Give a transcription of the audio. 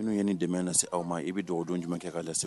Minnu ye nin dɛmɛ in lase aw ma , i bɛ dugawudon jumɛn kɛ k'a lase u ma?